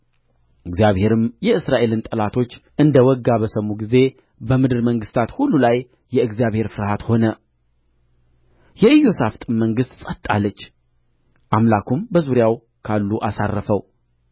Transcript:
እግዚአብሔርም የእስራኤልን ጠላቶች እንደ ወጋ በሰሙ ጊዜ በምድር መንግሥታት ሁሉ ላይ የእግዚአብሔር ፍርሃት ሆነ የኢዮሣፍጥም መንግሥት ጸጥ አለች አምላኩም በዙሪያው ካሉ አሳረፈው